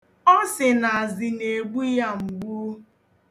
Ọ sị na azị na-egbu ya mgbu.